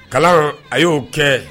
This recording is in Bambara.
Kalan a y'o kɛ